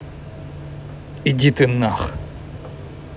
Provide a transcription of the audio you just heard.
иди ты нах